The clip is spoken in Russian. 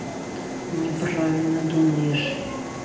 неправильно думаешь